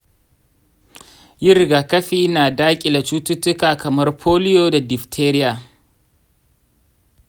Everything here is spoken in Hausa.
yin rigakafi na dakile cututtuka kamar polio da diphtheria